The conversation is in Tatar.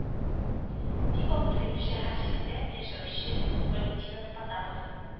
Дип аптырый шәһәрчектә яшәүче валентина потапова